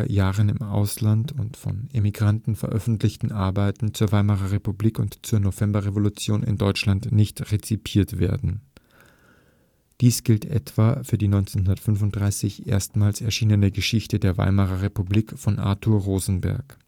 Jahren im Ausland und von Emigranten veröffentlichten Arbeiten zur Weimarer Republik und zur Novemberrevolution in Deutschland nicht rezipiert werden. Dies gilt etwa für die 1935 erstmals erschienene Geschichte der Weimarer Republik von Arthur Rosenberg